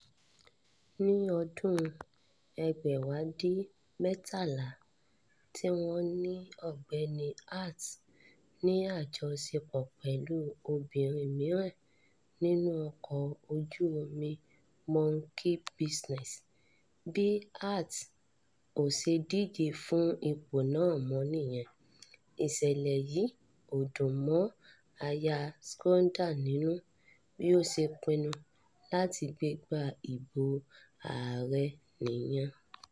Ní ọdún 1987, tí wọ́n ní Ọ̀gbẹ́ni Hart ní àjọṣepọ̀ pẹ̀lú obínrin mìíràn nínú ọkọ ojú-omi Monkey Business, bí Hart ‘ò ṣe díje fún ipò náà mọ́ nìyẹn. Iṣẹ̀lẹ̀ yí ‘ò dùn mọ́ Aya Schroeder nínú. Bí ó ṣe pinnu láti gbégba ìbò ààrẹ nìyẹn.